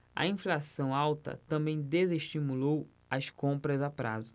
a inflação alta também desestimulou as compras a prazo